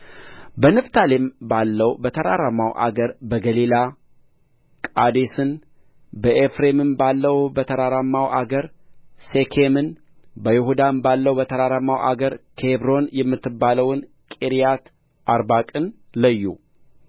በንፍታሌም ባለው በተራራማው አገር በገሊላ ቃዴስን በኤፍሬምም ባለው በተራራማው አገር ሴኬምን በይሁዳም ባለው በተራራማው አገር ኬብሮን የምትባለውን ቂርያትአርባቅን ለዩ